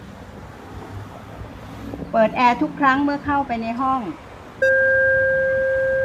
เปิดแอร์ทุกครั้งเมื่อเข้าไปในห้อง